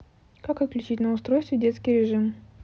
как отключить на устройстве детский режим